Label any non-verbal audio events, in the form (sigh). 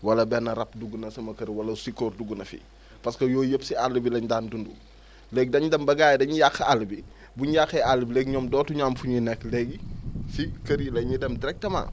wala benn rab dugg na sama kër wala sikoor dugg na fi parce que yooyu yëpp si àll bi lañ daan dund (breath) léegi dañ dem ba gars yi dañuy yàq àll bi (breath) bu ñu yàqee àll bi léegi ñoom dootuñu am fu ñuy nekk léegi (noise) si kër yi la ñuy dem directement